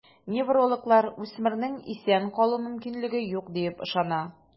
Неврологлар үсмернең исән калу мөмкинлеге юк диеп ышана.